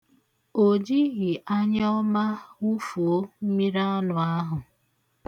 O jighị anyọọma wụfuo mmiri anụ ahụ.